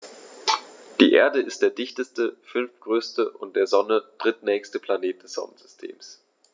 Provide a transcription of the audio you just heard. Die Erde ist der dichteste, fünftgrößte und der Sonne drittnächste Planet des Sonnensystems.